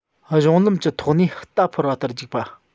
གཞུང ལམ གྱི ཐོག ནས རྟ འཕུར བ ལྟར རྒྱུག པ